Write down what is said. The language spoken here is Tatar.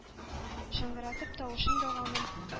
Шыңгырдатып тавышын даганың